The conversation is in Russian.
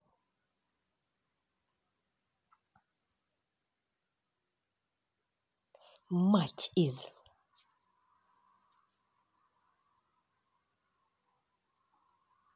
мать из